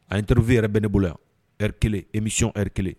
A interview yɛrɛ bɛ ne bolo yan heure 1 émission heure 1